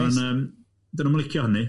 mae'n yym dan nhw'm yn licio hynny.